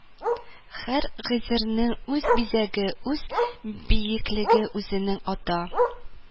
– һәр гейзерның үз бизәге, үз биеклеге, үзенең ата